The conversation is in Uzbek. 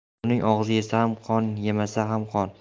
bo'rining og'zi yesa ham qon yemasa ham qon